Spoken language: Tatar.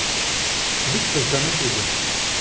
Бик кызганыч үзе!